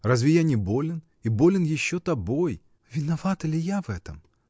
разве я не болен, и болен еще тобой!. — Виновата ли я в этом?